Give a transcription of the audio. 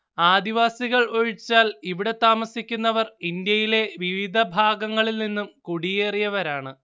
ആദിവാസികൾ ഒഴിച്ചാൽ ഇവിടെ താമസിക്കുന്നവർ ഇന്ത്യയിലെ വിവിധ ഭാഗങ്ങളില്‍ നിന്നും കുടിയേറിയവരാണ്